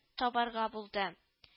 Табарга булды